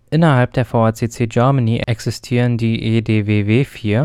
Innerhalb der vACC Germany existieren die EDWW FIR